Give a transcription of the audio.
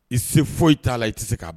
I se foyi i t'a la i tɛ se k'a